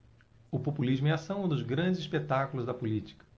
o populismo em ação é um dos grandes espetáculos da política